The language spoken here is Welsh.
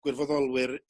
gwirfoddolwyr